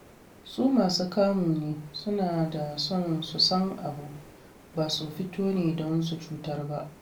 Su masu kamu ne, suna da son su san abu... ba su fito ne don su cutar ba.